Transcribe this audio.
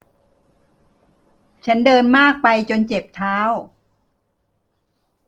ฉันเดินมากไปจนเจ็บเท้า